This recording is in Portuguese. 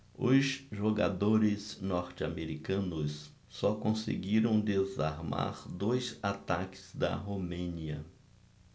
os jogadores norte-americanos só conseguiram desarmar dois ataques da romênia